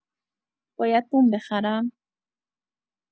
باید بوم بخرم؟